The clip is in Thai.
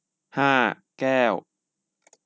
ห้าแก้ว